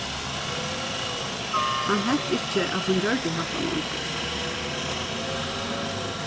hann helt ikki at hon gjørdi hatta longur